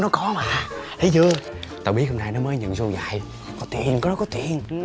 nó có mà thấy chưa tao biết hôm nay nó mới nhận sâu dài có tiền nó có tiền